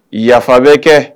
Yafa bɛ kɛ